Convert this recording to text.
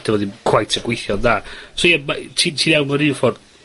...do'dd o ddim cweit yn gweithio'n dda. So ie, ma'.. Ti'n ti'n iawn mewn un ffor.